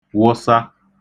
wụsa